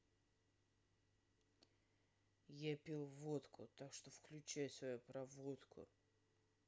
я пил водку так что включай свою проводку